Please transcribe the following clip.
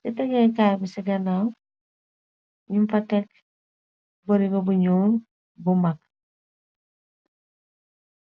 ci tegeekaay bi ci ganaaw ñuñ fa tegg boriga bu ñuul bu mag.